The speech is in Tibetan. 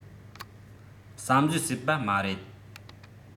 བསམ བཟོས བསད པ མ རེད